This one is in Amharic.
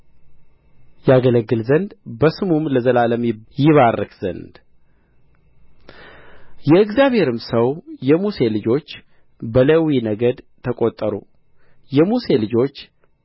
ያገለግል ዘንድ በስሙም ለዘላለም ይባርክ ዘንድ የእግዚአብሔርም ሰው የሙሴ ልጆች በሌዊ ነገድ ተቈጠሩ የሙሴ ልጆች